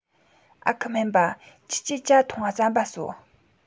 ཨ ཁུ སྨན པ ཁྱེད ཆོས ཇ ཐུངས ང རྩམ པ ཟོ